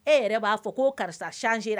E yɛrɛ b'a fɔ ko karisa changé ra